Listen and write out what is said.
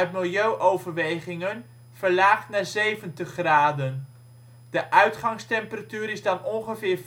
milieuoverwegingen verlaagd naar 70 graden. De uitgangstemperatuur is dan ongeveer